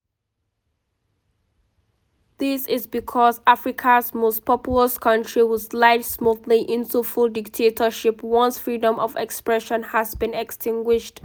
This is because Africa’s most populous country will slide smoothly into full dictatorship once freedom of expression has been extinguished.